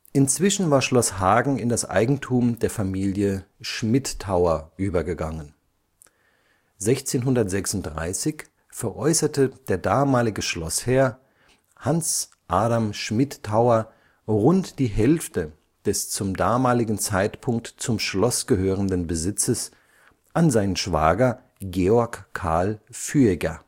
Inzwischen war Schloss Hagen in das Eigentum der Familie Schmidtauer übergegangen. 1636 veräußerte der damalige Schlossherr, Hans Adam Schmidtauer, rund die Hälfte des zum damaligen Zeitpunkt zum Schloss gehörenden Besitzes an seinen Schwager Georg Carl Füeger